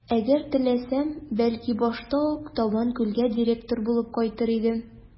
Әгәр теләсәм, бәлки, башта ук Табанкүлгә директор булып кайтыр идем.